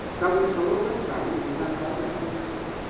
trong số tất cả những người đang có hiện nay thôi